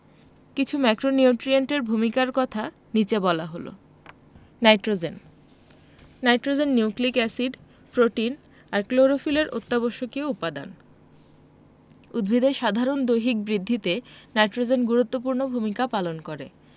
কিছু ম্যাক্রোনিউট্রিয়েন্টের ভূমিকার কথা নিচে বলা হল nitrogen nitrogen nucleic acid protein আর ক্লোরোফিলের অত্যাবশ্যকীয় উপাদান উদ্ভিদের সাধারণ দৈহিক বৃদ্ধিতে নাইট্রোজেন গুরুত্বপূর্ণ ভূমিকা পালন করে